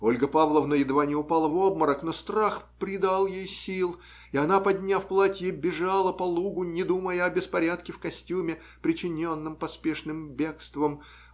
Ольга Павловна едва не упала в обморок, но страх придал ей сил, и она, подняв платье, бежала по лугу, не думая о беспорядке в костюме, причиненном поспешным бегством.